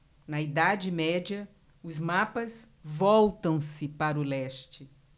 na idade média os mapas voltam-se para o leste